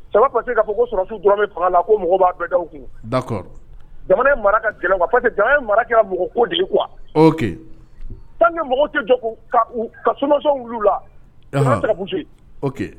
C'est pas parce que sɔrɔdasiw dɔrɔn bɛ fanga la ko mɔgɔw b'a bɛɛ da i kun, d'accord , jamana in mara ka gɛlɛn parce que jamana in mara kɛra mɔgɔko de ye quoi, ok, tant que mɔgɔw tɛ jɔ ka somation wuli u la, unhun, jamana tɛ se ka bougé, ok ,